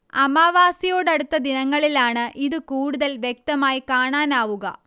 അമാവാസിയോടടുത്ത ദിനങ്ങളിലാണ് ഇത് കൂടുതൽ വ്യക്തമായി കാണാനാവുക